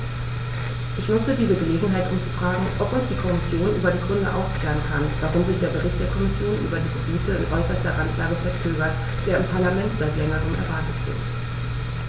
Ich nutze diese Gelegenheit, um zu fragen, ob uns die Kommission über die Gründe aufklären kann, warum sich der Bericht der Kommission über die Gebiete in äußerster Randlage verzögert, der im Parlament seit längerem erwartet wird.